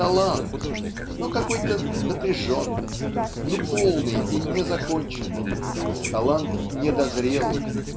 талант, но какой-то напряженный, неполный и незаконченный талант недозрелый.